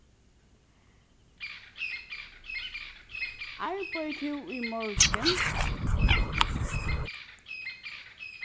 arbeiðir tú í morgin